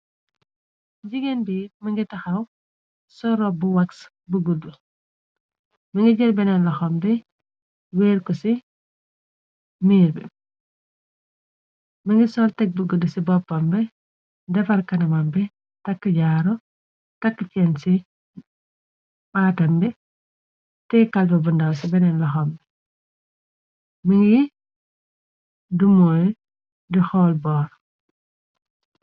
Jigéen bi mi ngi taxaw so rop bu wax bu guddu. Mi ngi jër beneen loxam bi weer ku ci minir bi mi. ngi sol teg bu gudd ci boppambi defar kanamam bi takk jaaru kakk cenn ci maatambi te kalba bundaw ci beneen loxam bi mi ngi dumooy di xool boor.